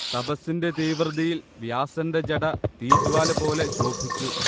തപസ്സിന്റെ തീവ്രതയിൽ വ്യാസന്റെ ജട തീജ്വാലപോലെ ശോഭിച്ചു